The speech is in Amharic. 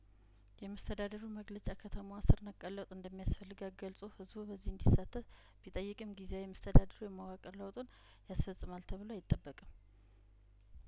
የመስተዳድሩ መግለጫ ከተማዋ ስርነቀል ለውጥ እንደሚያስፈልጋት ገልጾ ህዝቡ በዚህ እንዲሳተፍ ቢጠይቅም ጊዜያዊ መስተዳድሩ የመዋቅር ለውጡን ያስፈጽማል ተብሎ አይጠበቅም